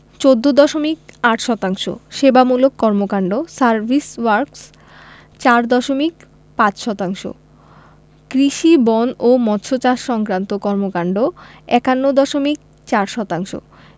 ১৪দশমিক ৮ শতাংশ সেবামূলক কর্মকান্ড সার্ভিস ওয়ার্ক্স ৪ দশমিক ৫ শতাংশ কৃষি বন ও মৎসচাষ সংক্রান্ত কর্মকান্ড ৫১ দশমিক ৪ শতাংশ